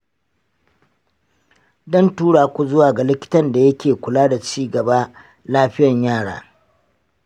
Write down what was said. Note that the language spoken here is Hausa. dan turaku zuwa ga likitan da yake kula da cigaba lafiyan yara.